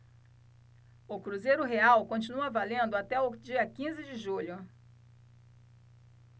o cruzeiro real continua valendo até o dia quinze de julho